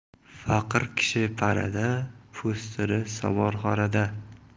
faqir kishi panada po'stini somonxonada